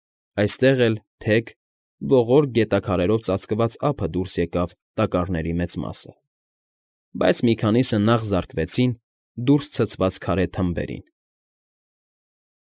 Այստեղ էլ, թեք, ողորկ գետաքարերով ծածկված ափը դուրս եկավ տակառների մեծ մասը, բայց մի քանիսը նախ զարկվեցին դուրս ցցված քարե թմբերին։